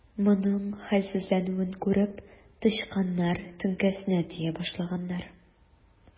Моның хәлсезләнүен күреп, тычканнар теңкәсенә тия башлаганнар.